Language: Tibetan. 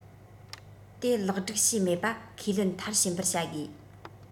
དེ ལེགས སྒྲིག བྱས མེད པ ཁས ལེན མཐར ཕྱིན པར བྱ དགོས